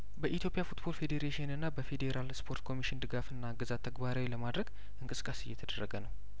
በኢትዮፕያ ፉትቦል ፌዴሬሽንና በፌዴራል ስፖርት ኮሚሽን ድጋፍና እገዛ ተግባራዊ ለማድረግ እንቅስቃሴ እየተደረገ ነው